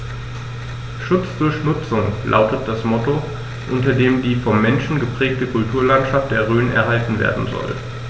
„Schutz durch Nutzung“ lautet das Motto, unter dem die vom Menschen geprägte Kulturlandschaft der Rhön erhalten werden soll.